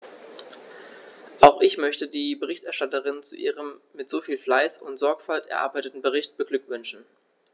Auch ich möchte die Berichterstatterin zu ihrem mit so viel Fleiß und Sorgfalt erarbeiteten Bericht beglückwünschen.